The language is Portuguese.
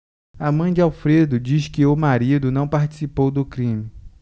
a mãe de alfredo diz que o marido não participou do crime